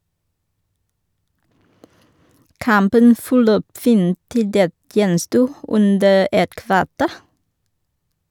Kampen forløp fint til det gjensto under et kvarter.